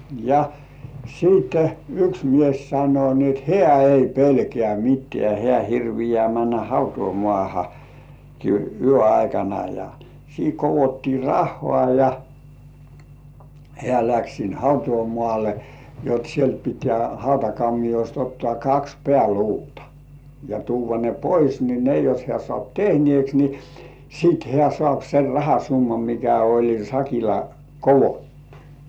ja sitten yksi mies sanoi niin että hän ei pelkää mitään hän hirviää mennä - hautausmaahankin yön aikana ja siinä koottiin rahaa ja hän lähti sinne hautausmaalle jotta sieltä pitää hautakammiosta ottaa kaksi pääluuta ja tuoda ne pois niin ne jos hän saa tehneeksi niin sitten hän saa sen rahasumman mikä oli sakilla koottu